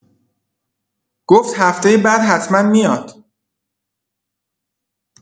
گفت هفتۀ بعد حتما میاد.